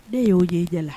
Ne y' jɛ i da la